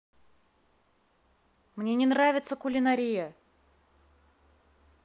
мне не нравится кулинария